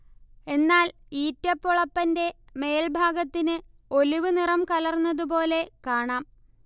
എന്നാൽ ഈറ്റ പൊളപ്പന്റെ മേൽഭാഗത്തിന് ഒലിവ് നിറം കലർന്നതുപോലെ കാണാം